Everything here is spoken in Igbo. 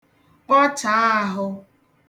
kpọchàà àhụ